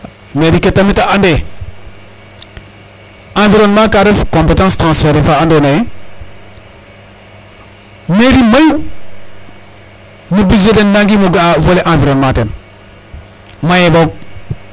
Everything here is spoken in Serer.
Mairie ke yit a ande environnement ke ref compétence transferer fa andoona yee mairie mayu no budjet den nangiim o ga'aa volet environnement ten mayee boog.